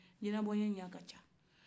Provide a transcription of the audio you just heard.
jinɛbɔnye yɛ ka ca